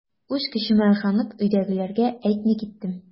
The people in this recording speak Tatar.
Үз көчемә ышанып, өйдәгеләргә әйтми киттем.